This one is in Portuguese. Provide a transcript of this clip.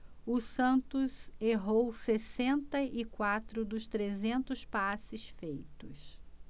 o santos errou sessenta e quatro dos trezentos passes feitos